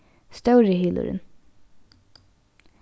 stóri hylurin